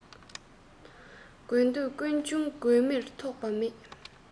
དགོས འདོད ཀུན འབྱུང དགོས མིར ཐོགས པ མེད